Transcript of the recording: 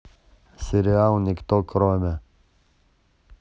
сериал никто кроме